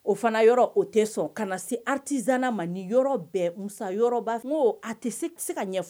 O fana yɔrɔ o tɛ sɔn ka na se artisanat ma ni yɔrɔ bɛɛ Musa yɔrɔba, n ko a tɛ se ka ɲɛfɔ